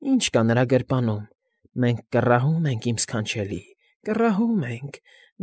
Ի՞նչ կա նրա գրպանում։ Մենք կռ֊ռ֊ռահում ենք, իմ ս֊ս֊սքանչելի, կռ֊ռ֊ռահում ենք։